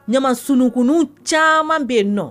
Ɲaman sununkunw caman be yen nɔ.